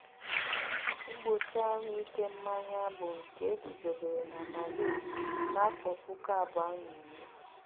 Mgbochi ahụike mmanye bụ nke eguzobere na Mali na 2010.